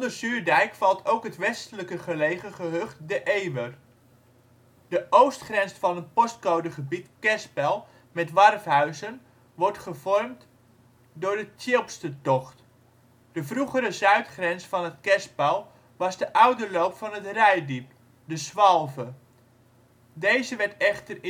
Zuurdijk valt ook het westelijker gelegen gehucht de Ewer. De oostgrens van het postcodegebied (kerspel) met Warfhuizen wordt gevormd door de Tjilpstertocht. De vroegere zuidgrens van het kerspel was de oude loop van het Reitdiep; de Swalve (of Zwalve). Deze werd echter